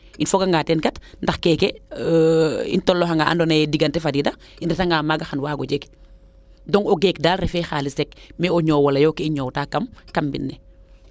im foga ngaa teen kat ndax keeke i tolooxa na ando naye digante faadiida i ndeta nga maaga xan waago jeg donc o geek daal refe xalis rek mais o ñoowole yo kee'i ñoowta kam mbine